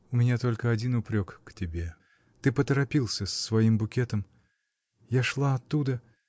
У меня только один упрек тебе — ты поторопился с своим букетом. Я шла оттуда.